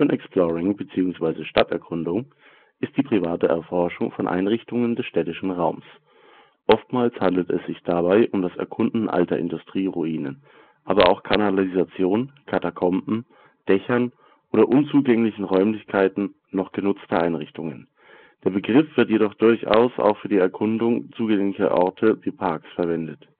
Exploring bzw. Stadterkundung ist die private Erforschung von Einrichtungen des städtischen Raums. Oftmals handelt es sich dabei um das Erkunden alter Industrieruinen, aber auch Kanalisationen, Katakomben, Dächern oder unzugänglicher Räumlichkeiten noch genutzter Einrichtungen. Der Begriff wird jedoch durchaus auch für die Erkundung zugänglicher Orte wie Parks verwendet